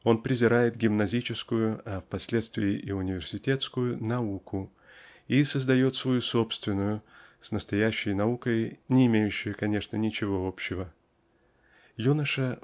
Он презирает гимназическую (а впоследствии и университетскую) науку и создает свою собственную с настоящей наукой не имеющую конечно ничего общего. Юноша